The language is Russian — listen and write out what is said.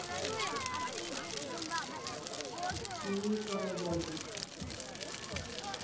синий паровозик